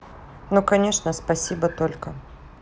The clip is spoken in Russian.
ну конечно спасибо только